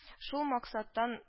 Шул максаттан